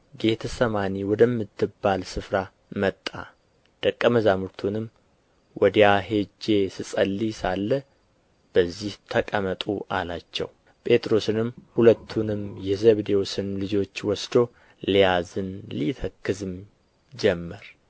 ጌቴሴማኒ ወደምትባል ስፍራ መጣ ደቀ መዛሙርቱንም ወዲያ ሄጄ ስጸልይ ሳለ በዚህ ተቀመጡ አላቸው ጴጥሮስንም ሁለቱንም የዘብዴዎስን ልጆች ወስዶ ሊያዝን ሊተክዝም ጀመር